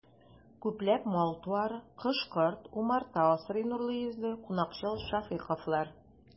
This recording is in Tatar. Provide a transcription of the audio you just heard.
Күпләп мал-туар, кош-корт, умарта асрый нурлы йөзле, кунакчыл шәфыйковлар.